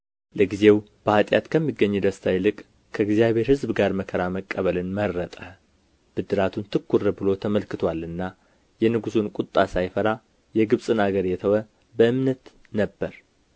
ለጊዜው በኃጢአት ከሚገኝ ደስታ ይልቅ ከእግዚአብሔር ሕዝብ ጋር መከራ መቀበልን መረጠ ብድራቱን ትኵር ብሎ ተመልክቶአልና የንጉሡን ቍጣ ሳይፈራ የግብፅን አገር የተወ በእምነት ነበር